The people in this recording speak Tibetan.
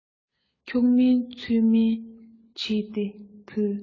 འཁྱུག མིན ཚུགས མིན བྲིས ཏེ ཕུལ